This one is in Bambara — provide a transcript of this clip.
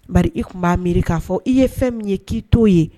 Ba i tun b'a miiri k'a fɔ i ye fɛn min ye k'i t'o ye